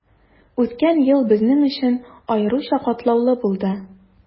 Үткән ел безнең өчен аеруча катлаулы булды.